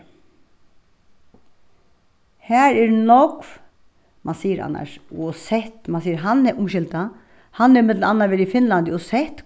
har er nógv mann sigur annars og sætt mann sigur hann umskylda hann hevur millum annað verið í finnlandi og sætt